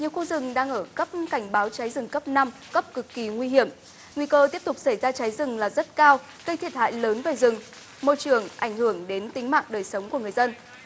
nhiều khu rừng đang ở cấp cảnh báo cháy rừng cấp năm cấp cực kỳ nguy hiểm nguy cơ tiếp tục xảy ra cháy rừng là rất cao gây thiệt hại lớn về rừng môi trường ảnh hưởng đến tính mạng đời sống của người dân